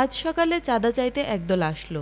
আজ সকালে চাঁদা চাইতে একদল আসল